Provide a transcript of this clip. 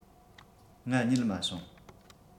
ང རྙེད མ བྱུང